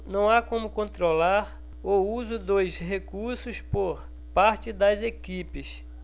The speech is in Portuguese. não há como controlar o uso dos recursos por parte das equipes